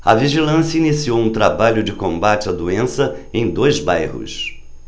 a vigilância iniciou um trabalho de combate à doença em dois bairros